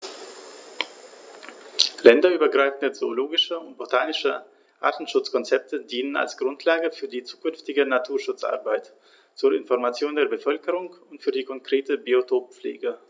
Länderübergreifende zoologische und botanische Artenschutzkonzepte dienen als Grundlage für die zukünftige Naturschutzarbeit, zur Information der Bevölkerung und für die konkrete Biotoppflege.